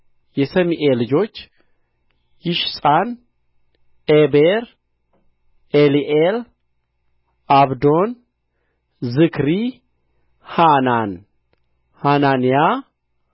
የሰሜኢ ልጆች ይሽጳን ዔቤር ኤሊኤል ዓብዶን ዝክሪ ሐናን ሐናንያ